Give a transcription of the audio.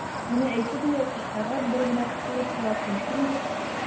Менә әйтте диярсез, тагын бер генә сугып карасын, шундук...